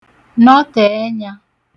nọtè ẹnyā